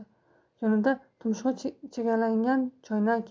yonida tumshug'i chegalangan choynak